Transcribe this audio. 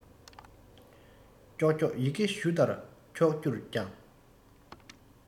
ཀྱོག ཀྱོག ཡི གེ གཞུ ལྟར འཁྱོག གྱུར ཀྱང